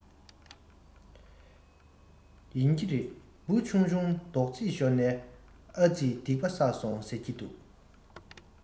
ཡིན གྱི རེད འབུ ཆུང ཆུང ཅིག རྡོག རྫིས ཤོར ནའི ཨ རྩི སྡིག པ བསགས སོང ཟེར གྱི འདུག